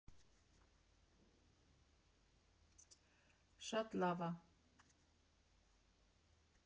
֊ Շատ լավ ա։